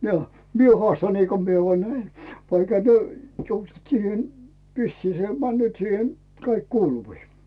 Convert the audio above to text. jo minä haastan niin kuin minä vain näin vaikka te vissiin se menee siihen kaikki kuuluviin